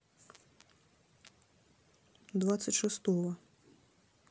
двадцать шестого